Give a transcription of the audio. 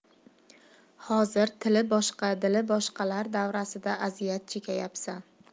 hozir tili boshqa dili boshqalar davrasida aziyat chekyapsan